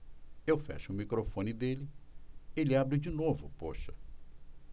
eu fecho o microfone dele ele abre de novo poxa